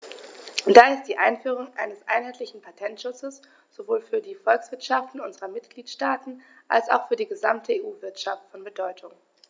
Daher ist die Einführung eines einheitlichen Patentschutzes sowohl für die Volkswirtschaften unserer Mitgliedstaaten als auch für die gesamte EU-Wirtschaft von Bedeutung.